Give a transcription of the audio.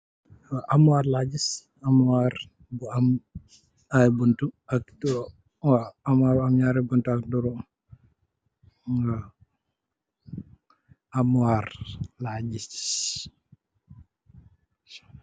Almuwaar laa gis, almuwaar bu am ay buntu ak( not clear),Waaw, almuwaar, laa gis.